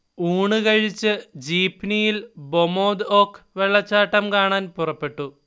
ഊണ് കഴിച്ച് ജീപ്നിയിൽ ബൊമൊദ്-ഒക് വെള്ളച്ചാട്ടം കാണാൻ പുറപ്പെട്ടു